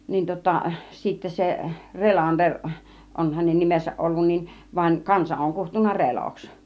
niin tuota sitten se Relander on hänen nimensä ollut niin vaan kansa on kutsunut Reloksi